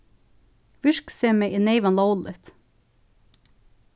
virksemið er neyvan lógligt